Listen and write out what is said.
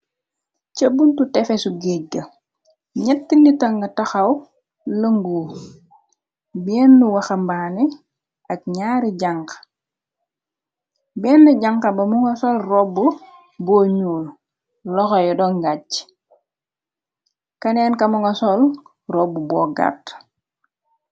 Cha buntu tafes su gèej ga, nètti nit taga tahaw lungo. Benn wahambaané ak naari jàngha. Benn jàngha bi mu nga so robbu bu ñuul, loho yi don gachi. Kenen ka mu nga sol robbu bo gatt.